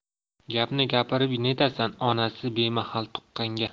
gapni gapirib netasan onasi bemahal tuqqanga